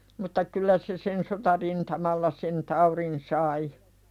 mutta kyllä se sen sotarintamalla sen taudin sai